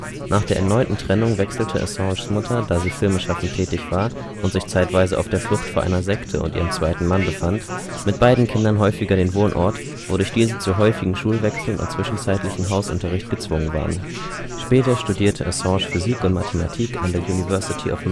erneuten Trennung wechselte Assanges Mutter, da sie filmschaffend tätig war und sich zeitweise auf der Flucht vor einer Sekte und ihrem zweiten Mann befand, mit beiden Kindern häufiger den Wohnort, wodurch diese zu häufigen Schulwechseln und zwischenzeitlichem Hausunterricht gezwungen waren. Später studierte Assange Physik und Mathematik an der University of Melbourne